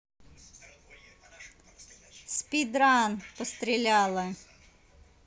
спидран постреляла